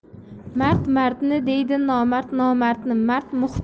mard mardni deydi nomard nomardni